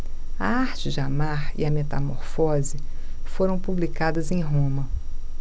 a arte de amar e a metamorfose foram publicadas em roma